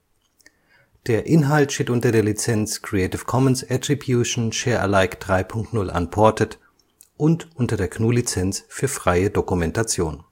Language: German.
Der Inhalt steht unter der Lizenz Creative Commons Attribution Share Alike 3 Punkt 0 Unported und unter der GNU Lizenz für freie Dokumentation